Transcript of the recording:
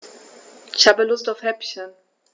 Ich habe Lust auf Häppchen.